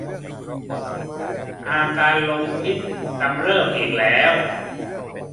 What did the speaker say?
อาการลมพิษกำเริบอีกแล้ว